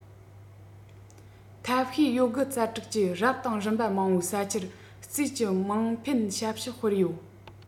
ཐབས ཤེས ཡོད རྒུ རྩལ སྤྲུགས ཀྱིས རབ དང རིམ པ མང བའི ས ཆར བརྩིས ཀྱི དམངས ཕན ཞབས ཞུ སྤེལ ཡོད